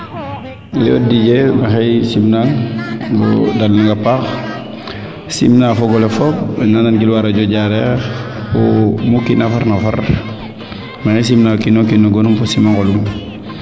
iyo Didier maxey simnang no a paax sim na o fogole fop na nan gilooxa radio Diarekh fo mu kiina farna far mexey simna o kiino kiin no gonum fo no simangolum